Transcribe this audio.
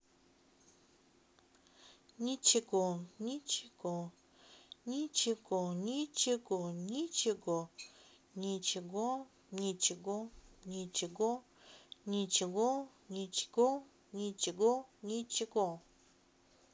ничего ничего ничего ничего ничего ничего ничего ничего ничего ничего ничего ничего